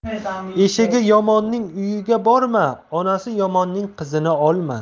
eshigi yomonning uyiga borma onasi yomonning qizini olma